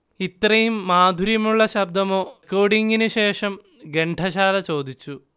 ഇത്രയും മാധുര്യമുള്ള ശബ്ദമോ റെക്കോർഡിംഗിന് ശേഷം ഘണ്ടശാല ചോദിച്ചു